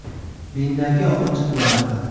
mendagi ochiq varaqa